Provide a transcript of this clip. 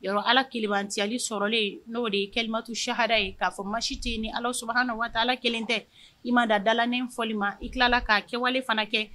Yɔrɔ ala kelentiyali sɔrɔlen n'o de ye kɛlɛmatuchara ye k'a fɔ ma si tɛ ni ala su na waati ala kelen tɛ i ma da dalanen fɔli ma i tilala k'a kɛwale fana kɛ